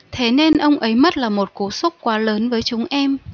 thế nên ông ấy mất là một cú sốc quá lớn với chúng em